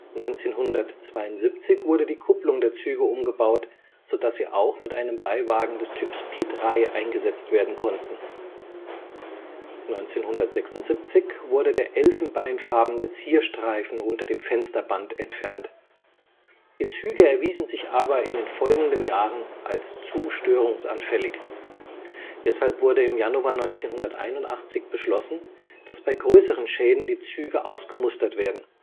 1972 wurde die Kupplung der Züge umgebaut, sodass sie auch mit einem Beiwagen des Typs P 3 eingesetzt werden konnten. 1976 wurde der elfenbeinfarbene Zierstreifen unter dem Fensterband entfernt. Die Züge erwiesen sich aber in den folgenden Jahren als zu störungsanfällig. Deshalb wurde im Januar 1981 beschlossen, dass bei größeren Schäden die Züge ausgemustert werden